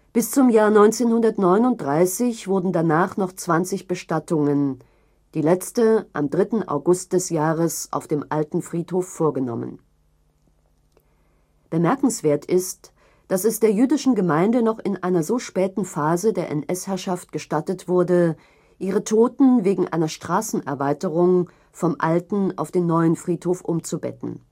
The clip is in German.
Bis zum Jahr 1939 wurden danach noch 20 Bestattungen, die letzte am 3. August des Jahres, auf dem alten Friedhof vorgenommen. Bemerkenswert ist, dass es der Jüdischen Gemeinde noch in einer so späten Phase der NS-Herrschaft gestattet wurde, ihre Toten wegen einer Straßenerweiterung vom alten auf dem neuen Friedhof umzubetten